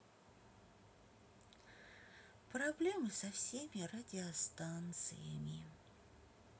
проблемы со всеми радиостанциями